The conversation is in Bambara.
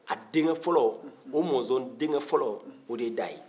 a denkɛ fɔlɔ o mɔnzɔn denkɛ fɔlɔ o de ye da ye